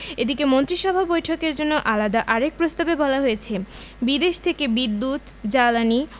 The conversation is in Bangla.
এদিকে মন্ত্রিসভা বৈঠকের জন্য আলাদা আরেক প্রস্তাবে বলা হয়েছে বিদেশ থেকে বিদ্যুৎ জ্বালানি